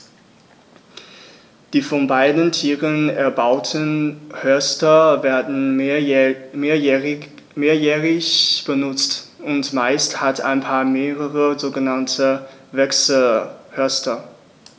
Die von beiden Tieren erbauten Horste werden mehrjährig benutzt, und meist hat ein Paar mehrere sogenannte Wechselhorste.